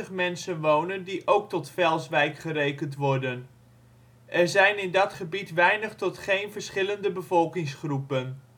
mensen wonen die ook tot Velswijk gerekend worden. Er zijn in dat gebied weinig tot geen verschillende bevolkingsgroepen